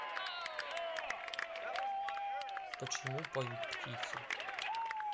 почему поют птицы